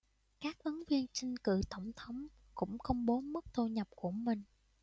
các ứng viên tranh cử tổng thống cũng công bố mức thu nhập của mình